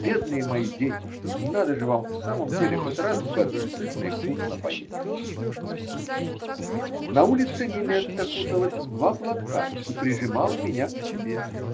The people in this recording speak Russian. Бедные мои дети, надо же вам, в самом деле, хоть раз в году сытно и вкусно поесть!" ***-- На улице Нинетта куталась в два платка и прижимала меня к себе.